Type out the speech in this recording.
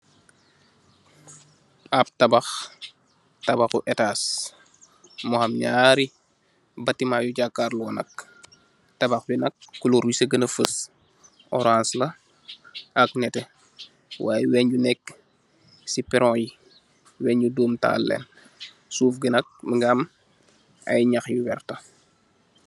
Ahb tabakh, tabakhu ehtass, mu am njaari batiment yu jakarlor nak, tabakh bii nak couleur yu cii genah feuss ohrance la ak nehteh, yy weungh yu nekue cii pehrong bii weungh yu dorm taal len, suff cii nak mungy am aiiy njahh yu vertah.